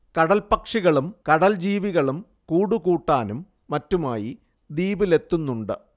കടൽപ്പക്ഷികളും കടൽ ജീവികളും കൂടുകൂട്ടാനും മറ്റുമായി ദ്വീപിലെത്തുന്നുണ്ട്